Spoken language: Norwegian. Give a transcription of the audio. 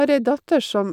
Har ei datter som...